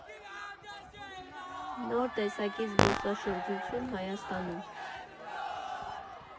Նոր տեսակի զբոսաշրջություն Հայաստանում։